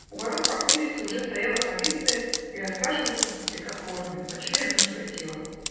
У ворот покойницы уже стояла полиция и расхаживали купцы, как вороны, почуя мертвое тело.